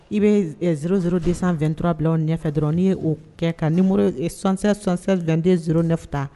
I bɛ 0 0 223 , bila o ɲɛfɛ dɔrɔrɔnw n'i y'o ke ka 76 76 22 09 ta